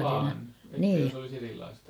vaan että jos olisi erilaista